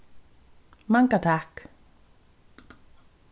manga takk